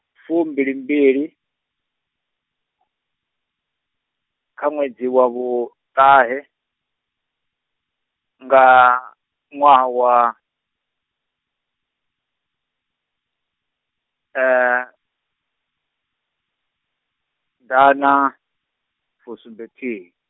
fumbilimbili, kha ṅwedzi wa vhuṱahe, nga, ṅwaha wa, ḓanafusumbenthihi.